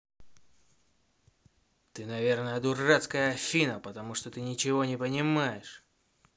ты наверное дурацкая афина потому что ты ничего не понимаешь